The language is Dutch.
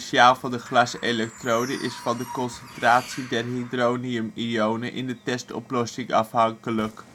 van de glaselektrode is van de concentratie (feitelijk de activiteit) der hydronium-ionen in de test-oplossing afhankelijk